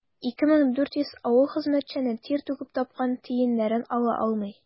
2400 авыл хезмәтчәне тир түгеп тапкан тиеннәрен ала алмый.